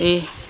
i